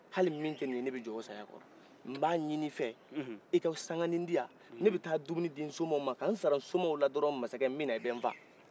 hali min tɛ nin ye ne bɛ jɔn u saya kɔrɔ nba ɲinin i fɛ i k'a sanganin diɲan ne bɛ ta dumuni di n somɔgɔw ma ka n sara n somɔgɔw la dɔron masakɛ nbɛ na i bɛ faa